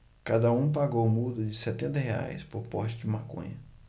cada um pagou multa de setenta reais por porte de maconha